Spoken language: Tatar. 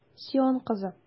Сион кызы!